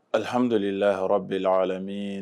Alihamdulilila yɔrɔ bɛ la ala min